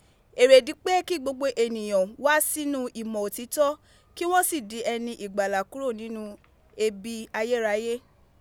eredi pe ki gbogbo eniyan wa sinu imo otito, ki won si di eni igbala kuro ninu ebi ayeraye